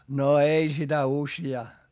no ei sitä useaan